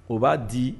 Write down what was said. O ba di